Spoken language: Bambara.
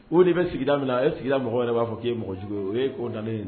O de bɛ sigida min na e sigira mɔgɔ yɛrɛ b'a fɔ k'e mɔgɔ cogo ye o ye kotan ye